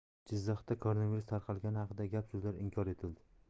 jizzaxda koronavirus tarqalgani haqidagi gap so'zlar inkor etildi